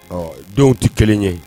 Ɔ dɔw tɛ kelen ye